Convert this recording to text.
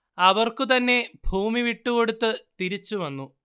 അവർക്കു തന്നെ ഭൂമി വിട്ടുകൊടുത്ത് തിരിച്ചു വന്നു